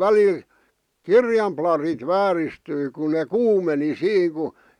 välillä kirjan plarit vääristyi kun ne kuumeni siinä kun